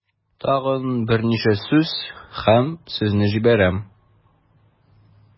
Тагын берничә сүз һәм сезне җибәрәм.